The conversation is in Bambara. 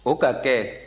o ka kɛ